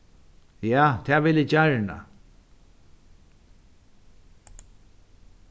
ja tað vil eg gjarna